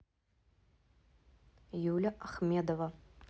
юля ахмедова